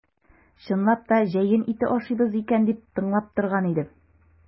Чынлап та җәен ите ашыйбыз икән дип тыңлап торган идем.